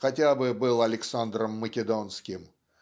хотя бы был Александром Македонским